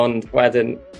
ond wedyn